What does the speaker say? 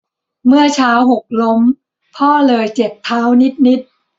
เมื่อเช้าหกล้มพ่อเลยเจ็บเท้านิดนิด